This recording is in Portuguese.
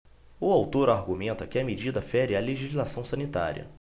o autor argumenta que a medida fere a legislação sanitária